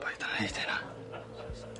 Paid â neud hynna.